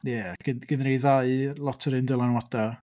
Ia gan- ganddo ni ddau lot o'r un dylanwadau.